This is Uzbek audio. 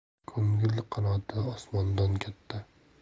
ko'ngil qanoti osmondan katta